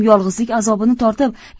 yolg'izlik azobini tortib